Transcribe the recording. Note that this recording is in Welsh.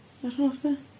Yr holl beth?